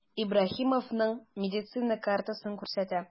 Ибраһимовның медицина картасын күрсәтә.